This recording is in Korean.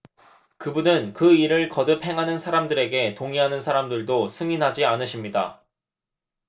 그분은 그 일을 거듭 행하는 사람들에게 동의하는 사람들도 승인하지 않으십니다